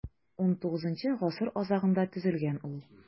XIX гасыр азагында төзелгән ул.